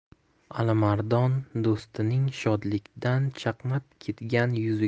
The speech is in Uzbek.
alimardon do'stining shodlikdan chaqnab ketgan